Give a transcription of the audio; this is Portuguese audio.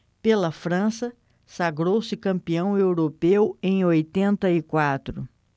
pela frança sagrou-se campeão europeu em oitenta e quatro